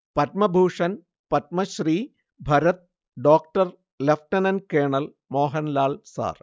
Padma Bhushan Padmashri Bharat doctor lieutenant colonel Mohanlal sir